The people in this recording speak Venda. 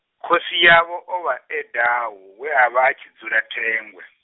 khosi yavho ovha e Dau we a vha a tshi dzula Thengwe.